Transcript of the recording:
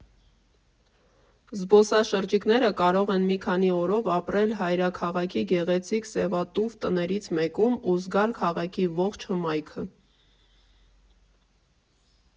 Զոբսաշրջիկները կարող են մի քանի օրով ապրել հայրաքաղաքի գեղեցիկ սևատուֆ տներից մեկում ու զգալ քաղաքի ողջ հմայքը։